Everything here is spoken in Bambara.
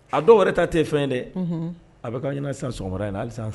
A dɔw wɛrɛ ta tɛ fɛn dɛ, a bɛ kɛ an ɲana sisan sɔgomada in na.